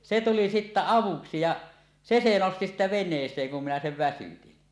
se tuli sitten avuksi ja se se nosti sitten veneeseen kun minä sen väsytin